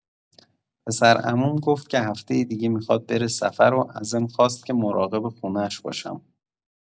پسرعموم گفت که هفته دیگه می‌خواد بره سفر و ازم خواست که مراقب خونش باشم.